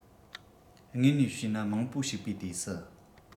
དངོས ནས བྱས ན མང པོ ཞིག པའི དུས སུ